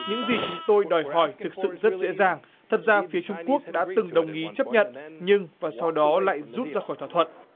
những gì chúng tôi đòi hỏi thực sự rất dễ dàng thật ra phía trung quốc đã từng đồng ý chấp nhận nhưng và sau đó lại rút ra khỏi thỏa thuận